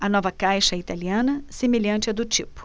a nova caixa é italiana semelhante à do tipo